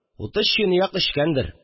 Утыз чынаяк эчкәндер